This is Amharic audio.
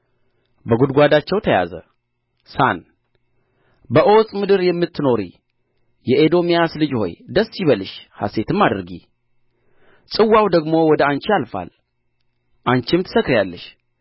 በጕድጓዳቸው ተያዘ ሳን በዖፅ ምድር የምትኖሪ የኤዶምያስ ልጅ ሆይ ደስ ይበልሽ ሐሤትም አድርጊ ጽዋው ደግሞ ወደ አንቺ ያልፋል አንቺም ትሰክሪአለሽ